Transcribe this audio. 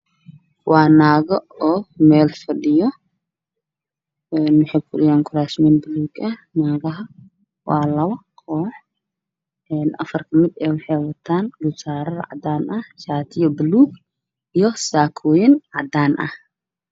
Waa naago oo meel fadhiyo waxay kufadhiyaan kuraasman buluug ah, waa labo koox afar kamid ah waxay wataan shaarar cadaan ah iyo shaatiyo buluug ah, saakooyin cadaan ah.